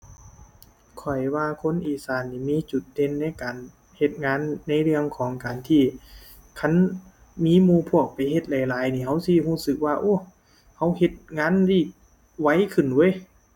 ข้อยว่าคนอีสานนี้มีจุดเด่นในการเฮ็ดงาน ในเรื่องของการที่ คันมีหมู่พวกไปเฮ็ดหลายหลายนี่ เราสิเราสึกว่า โอ้ เราเฮ็ดงานได้ไวขึ้นเว้ย